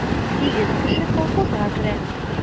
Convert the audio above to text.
Сигез кеше колхозга керә.